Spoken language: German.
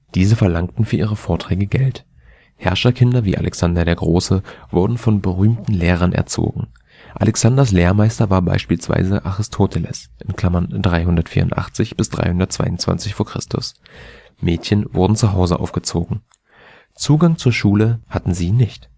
Diese verlangten für ihre Vorträge Geld. Herrscherkinder wie Alexander der Große wurden von berühmten Lehrern erzogen. Alexanders Lehrmeister war beispielsweise Aristoteles (384 – 322 v. Chr.). Mädchen wurden zu Hause aufgezogen. Zugang zur Schule hatten sie nicht